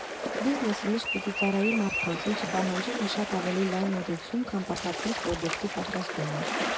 Բիզնեսը միշտ պիտի ծառայի մարդկանց, ինչը պահանջում է շատ ավելի լայն մոտեցում, քան պարզապես պրոդուկտի պատրաստումը։